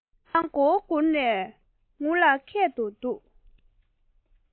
ཁོ རང མགོ བོ སྒུར ནས ངུ ལ ཁད དུ འདུག